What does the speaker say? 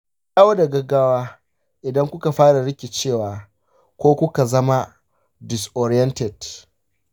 ku dawo da gaggawa idan kuka fara rikicewa ko kuka zama disoriented